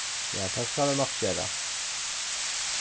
ja tað skal eg nokk gera